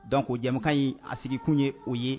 Donc jɛmukan in a sigikun ye o de ye.